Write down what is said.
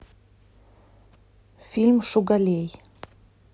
фильм шугалей